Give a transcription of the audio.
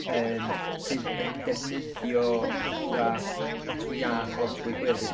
yym sydd yn defnyddio pethau lot fwy iach a lot fwy gwyrdd.